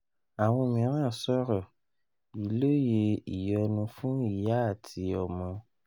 Awọn miiran sọrọ: Iloye iyọnu fun iya ati ọmọ.